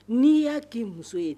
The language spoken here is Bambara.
N'i y'a k'i muso ye